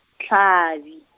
-hlabi.